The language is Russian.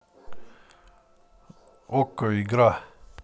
синий трактор фрукты